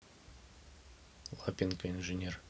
лапенко инженер